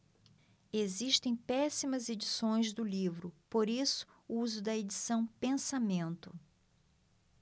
existem péssimas edições do livro por isso use o da edição pensamento